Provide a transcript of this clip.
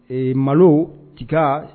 Ee malo ka